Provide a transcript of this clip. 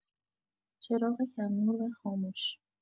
چراغ کم‌نور و خاموش